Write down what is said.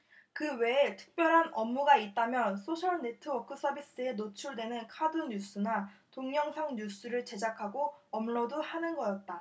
그 외에 특별한 업무가 있다면 소셜네트워크서비스에 노출되는 카드뉴스나 동영상뉴스를 제작하고 업로드하는 거였다